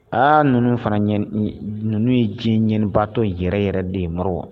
Aa ninnu fana ɲɛn ɲɛn ,ninnu ye diɲɛ ɲɛnibaatɔ yɛrɛ yɛrɛ de ye Modibo.